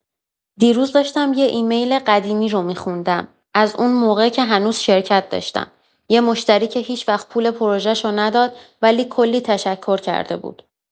دیروز داشتم یه ایمیل قدیمی رو می‌خوندم، از اون موقع که هنوز شرکت داشتم، یه مشتری که هیچ‌وقت پول پروژه‌شو نداد ولی کلی تشکر کرده بود.